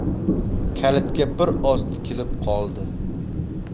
kalitga bir oz tikilib qoldi